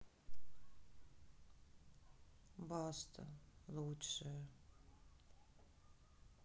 баста лучшее